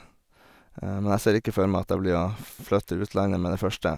Men jeg ser ikke for meg at jeg blir å flytte til utlandet med det første.